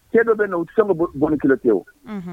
Cɛw dɔ bɛ na u sa bɔnɔni kelen tɛ o